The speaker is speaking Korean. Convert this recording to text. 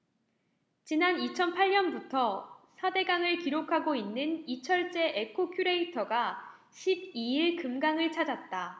지난 이천 팔 년부터 사 대강을 기록하고 있는 이철재 에코큐레이터가 십 이 일 금강을 찾았다